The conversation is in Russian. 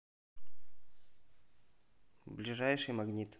ближайший магнит